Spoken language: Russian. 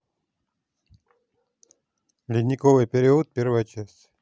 ледниковый период первая часть